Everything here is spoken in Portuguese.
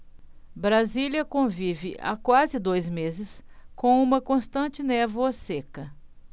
brasília convive há quase dois meses com uma constante névoa seca